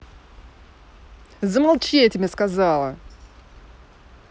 замолчи я тебе сказала